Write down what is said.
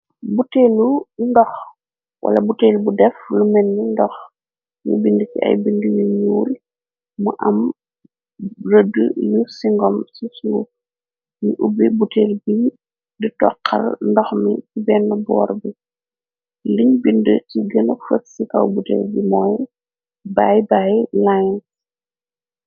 buteelu ndox wala buteel bu def lu menn ndox ñu bind ci ay bind yu ñuul mu am rëdd lu singom ci suuf ni ubbe butel bi di toxxal ndox mi benn boor bi liñ bind ci gëna fëg ci kaw butel bi mooy bay bay lince